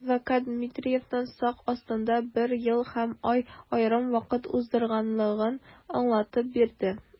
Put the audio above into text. Адвокат Дмитриевның сак астында бер ел һәм ай ярым вакыт уздырганлыгын аңлатып бирде.